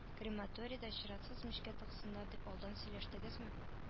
Крематорийда чиратсыз мичкә тыксыннар дип алдан сөйләштегезме